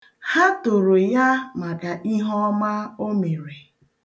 Ha toro ya maka iheọma o mere.